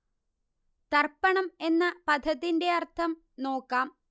തർപ്പണം എന്ന പദത്തിന്റെ അർത്ഥം നോക്കാം